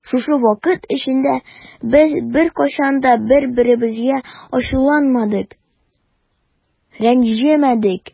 Шушы вакыт эчендә без беркайчан да бер-беребезгә ачуланмадык, рәнҗемәдек.